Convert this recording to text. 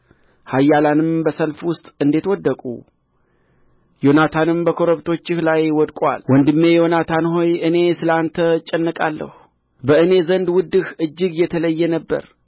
ኃያላንም በሰልፍ ውስጥ እንዴት ወደቁ ዮናታንም በኮረብቶችህ ላይ ወድቆአል ወንድሜ ዮናታን ሆይ እኔ ስለ አንተ እጨነቃለሁ በእኔ ዘንድ ውድህ እጅግ የተለየ ነበረ